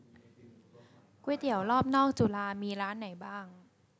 ก๋วยเตี๋ยวรอบนอกจุฬามีร้านไหนบ้าง